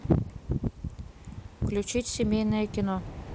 включить семейное кино